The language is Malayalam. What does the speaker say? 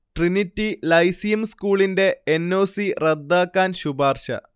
ട്രിനിറ്റി ലൈസിയം സ്കൂളിന്റെ എൻ. ഒ. സി റദ്ദാക്കാൻ ശുപാർശ